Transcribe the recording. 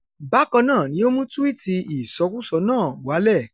Bákan náà ni ó mú túwíìtì ìsọkúsọ náà wálẹ̀.